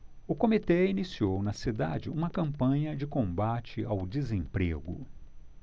o comitê iniciou na cidade uma campanha de combate ao desemprego